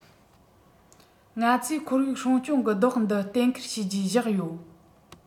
ང ཚོས ཁོར ཡུག སྲུང སྐྱོང གི རྡོག འདི གཏན འཁེལ བྱས རྗེས བཞག ཡོད